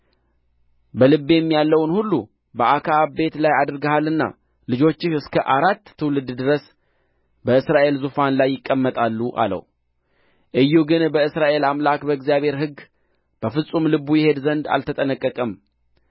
በልቤም ያለውን ሁሉ በአክዓብ ቤት ላይ አድርገሃልና ልጆችህ እስከ አራት ትውልድ ድረስ በእስራኤል ዙፋን ላይ ይቀመጣሉ አለው ኢዩ ግን በእስራኤል አምላክ በእግዚአብሔር ሕግ በፍጹም ልቡ ይሄድ ዘንድ አልተጠነቀቀም